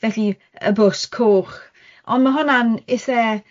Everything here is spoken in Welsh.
Felly, y bws coch, ond ma' hwnna'n eitha